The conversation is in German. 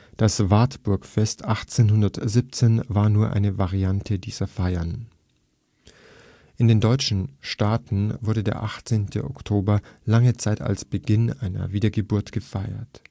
Das Wartburgfest 1817 war nur eine Variante dieser Feiern. In den deutschen Staaten wurde der 18. Oktober lange Zeit als Beginn einer Wiedergeburt gefeiert